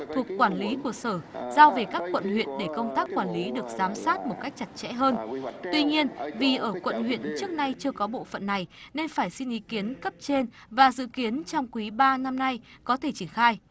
thuộc quản lý của sở giao về các quận huyện để công tác quản lý được giám sát một cách chặt chẽ hơn tuy nhiên vì ở quận huyện trước nay chưa có bộ phận này nên phải xin ý kiến cấp trên và dự kiến trong quý ba năm nay có thể triển khai